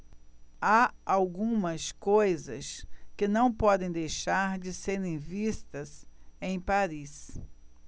há algumas coisas que não podem deixar de serem vistas em paris